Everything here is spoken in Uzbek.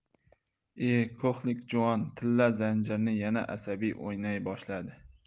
e ko'hlik juvon tilla zanjirini yana asabiy o'ynay boshladi